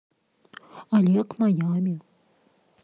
олег майами